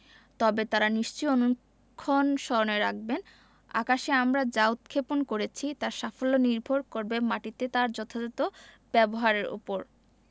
তবে তাঁরা নিশ্চয় অনুক্ষণ স্মরণে রাখবেন আকাশে আমরা যা উৎক্ষেপণ করেছি তার সাফল্য নির্ভর করবে মাটিতে তার যথাযথ ব্যবহারের ওপর